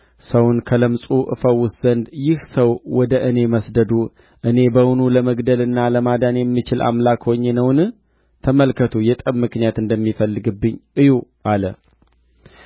ባሪያዬን ንዕማንን ከለምጹ ትፈውሰው ዘንድ እንደ ሰደድሁልህ እወቅ የሚል ደብዳቤ ወሰደ የእስራኤልም ንጉሥ ደብዳቤውን ባነበበ ጊዜ ልብሱን ቀድዶ